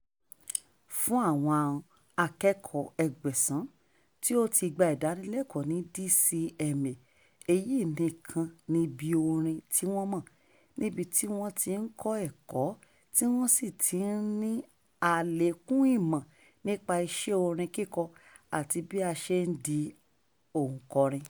Fún àwọn akẹ́kọ̀ọ́ 1,800 tí ó ti gba ìdánilẹ́kọọ́ ní DCMA, èyí nìkan ni ibi ilé orin tí wọ́n mọ̀, níbi tí wọ́n ti ń kọ́ ẹ̀kọ́ tí wọ́n sì ti ń ní àlékún ìmọ̀ nípa iṣẹ́ orin kíkọ àti bí a ṣe ń di òǹkọrin.